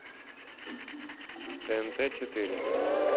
тнт четыре